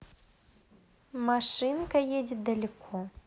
машинка едет далеко